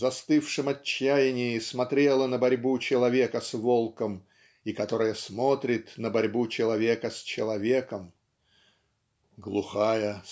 застывшем отчаянии смотрела на борьбу человека с волком и которая смотрит на борьбу человека с человеком. "Глухая